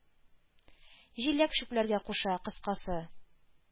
Җиләк чүпләргә куша, кыскасы.